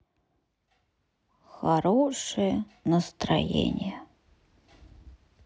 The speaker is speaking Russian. хорошее настроение